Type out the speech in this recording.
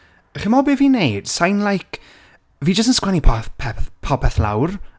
A chimod be fi'n wneud, sa i'n like, fi jyst yn sgwennu pa- peth- popeth lawr.